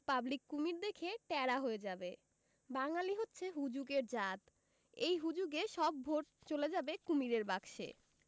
public কুমীর দেখে ট্যারা হয়ে যাবে বাঙ্গালী হচ্ছে হুজুগের জাত এই হুজুগে সব ভোট চলে যাবে কুমীরের বাক্সে